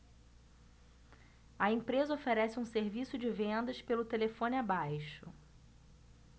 a empresa oferece um serviço de vendas pelo telefone abaixo